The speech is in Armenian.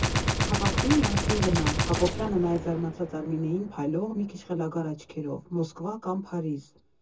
Հավաքվի, միասին գնանք, ֊ Հակոբյանը նայեց զարմացած Արմինեին փայլող, մի քիչ խելագար աչքերով, ֊ Մոսկվա, կամ Փարիզ։